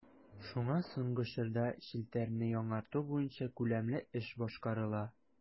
Шуңа соңгы чорда челтәрне яңарту буенча күләмле эш башкарыла.